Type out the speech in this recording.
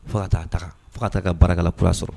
Fo ka fo ka taa ka barakala kura sɔrɔ